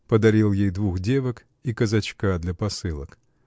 подарил ей двух девок и казачка для посылок.